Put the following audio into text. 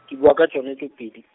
ke bua ka tsone tse pedi.